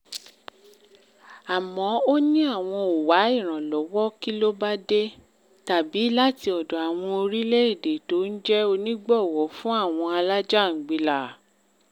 Àmọ́ ‘ò ní àwọn ‘ò wá ìrànlọ́wọ́ kílóbádé tàbí láti ọ̀dọ̀ àwọn orílẹ̀-èdè t’ọ́n jẹ́ onígbọ̀wọ́ fún àwọn lájàngbìlà.